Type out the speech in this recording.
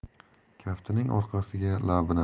kaftining orqasiga labini